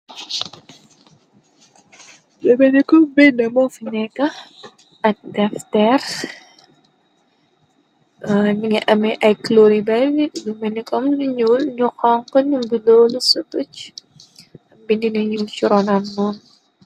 Jebenikoom be demoo fi nekka ak def teer dinga amee ak cloribar lu mëndikom nañul ñu xonkonu bi doolu sa tëc ab bindina ñul coroonammoon.